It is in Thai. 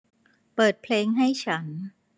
เปิดเพลงให้ฉัน